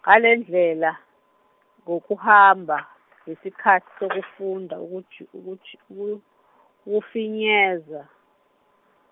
ngalendlela ngokuhamba isikhathi sokufunda ukut- ukuthi uku- ufinyeza.